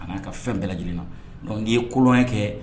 A n'a ka fɛn bɛɛ lajɛlen na ye kolonlɔnya kɛ